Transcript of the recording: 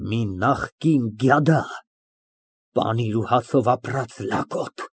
Մի նախկին գյադա, պանիր ու հացով ապրած լակոտ։